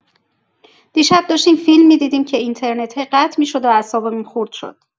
دیشب داشتیم فیلم می‌دیدیم که اینترنت هی قطع می‌شد و اعصابمون خورد شد.